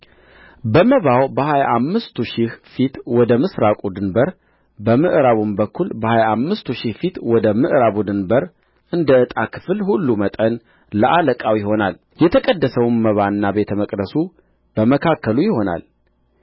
በመባው በሀያ አምስቱ ሺህ ፊት ወደ ምሥራቁ ድንበር በምዕራብም በኩል በሀያ አምስቱ ሺህ ፊት ወደ ምዕራቡ ድንበር እንደ ዕጣ ክፍል ሁሉ መጠን ለአለቃው ይሆናል የተቀደሰውም መባና ቤተ መቅደሱ በመካከሉ ይሆናል